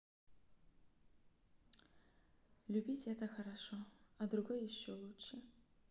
любить это хорошо а другой еще лучше